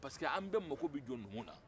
parce que an bɛɛ mako bɛ jɔ numu na